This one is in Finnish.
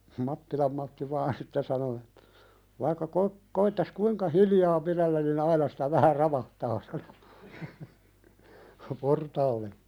Mattilan Matti vain sitten sanoi että vaikka - koettaisi kuinka hiljaa pidellä niin aina sitä vähän ravahtaa sanoi portaalle